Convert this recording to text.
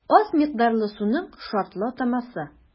Аз микъдарлы суның шартлы атамасы.